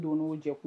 Don o jɛ kun